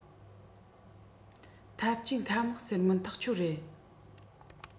འཐབ ཇུས མཁའ དམག ཟེར མིན ཐག ཆོད རེད